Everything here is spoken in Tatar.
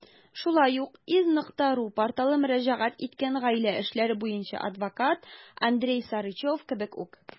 Шулай ук iz.ru порталы мөрәҗәгать иткән гаилә эшләре буенча адвокат Андрей Сарычев кебек үк.